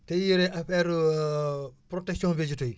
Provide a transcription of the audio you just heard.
te yore affaire protection végétaux yi